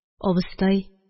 Абыстай